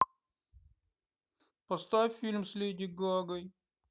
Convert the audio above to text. поставь фильм с леди гагой